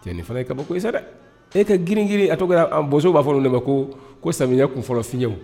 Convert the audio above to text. Cɛnni fana ye kase dɛ e tɛ girini a tɔgɔ bo b'a fɔ olu de ma ko ko samiyɛya kun fɔlɔfiyew